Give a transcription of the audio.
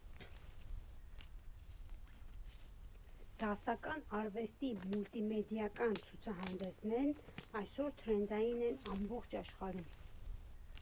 Դասական արվեստի մուլտիմեդիական ցուցահանդեսներն այսօր թրենդային են ամբողջ աշխարհում։